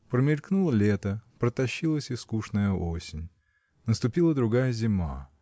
Промелькнуло лето, протащилась и скучная осень. Наступила другая зима.